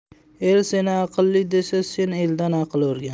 el seni aqlli desa sen eldan aql o'rgan